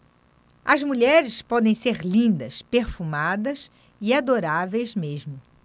as mulheres podem ser lindas perfumadas e adoráveis mesmo